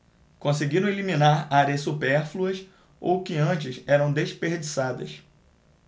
conseguiram eliminar áreas supérfluas ou que antes eram desperdiçadas